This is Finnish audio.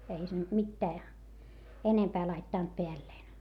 ei se nyt mitään enempää laittanut päälleen